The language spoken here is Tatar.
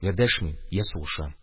Йә дәшмим, йә сугышам.